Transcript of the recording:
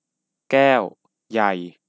แก้วใหญ่